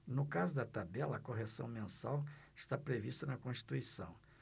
no caso da tabela a correção mensal está prevista na constituição